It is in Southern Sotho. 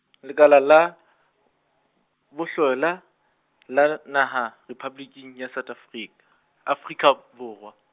Lekala la, Bohlwela, la n- Naha, Rephaboliking ya South Afrika ek-, Afrika, Borwa.